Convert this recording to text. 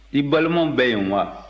i balimaw bɛ yen wa